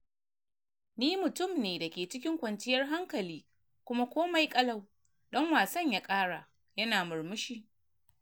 “Ni mutun ne dake cikin kwanciyar hankali kuma komai kalau,” dan wasan ya ƙara, yana murmushi.